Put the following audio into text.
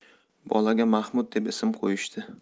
bolaga mahmud deb ism qo'yishdi